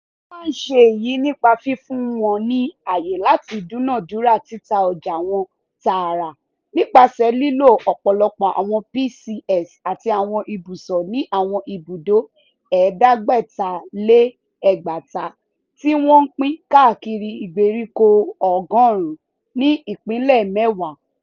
Ó má ń ṣe èyí nípa fífún wọn ní ààyè láti dúnàádúrà títa ọjà wọn tààrà nípasẹ̀ lílo ọ̀pọ̀lọpọ̀ àwọn PCs àti àwọn ibùsọ̀ ní àwọn ibùdó 6500 tí wọ́n pín káàkiri ìgbèríko 100 ní ìpínlẹ̀ 10.